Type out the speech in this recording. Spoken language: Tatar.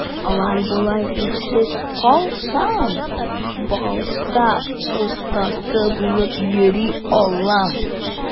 Алай-болай эшсез калсам, балта остасы булып йөри алам.